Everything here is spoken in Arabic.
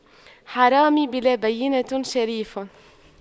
حرامي بلا بَيِّنةٍ شريف